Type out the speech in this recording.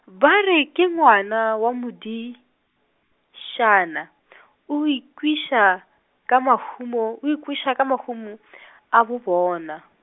ba re ke ngwana wa modišana , o ikweša, ka mahumo, o ikweša ka mahumo , a bobona.